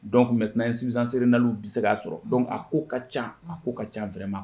Donc maintenant insuffisance rénale bi se ka sɔrɔ. Donc a ko ka ca , a ko ka ca vraiment